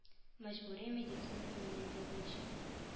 Мәҗбүри медицина иминияте буенча